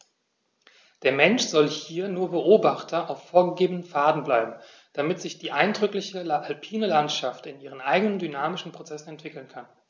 Der Mensch soll hier nur Beobachter auf vorgegebenen Pfaden bleiben, damit sich die eindrückliche alpine Landschaft in ihren eigenen dynamischen Prozessen entwickeln kann.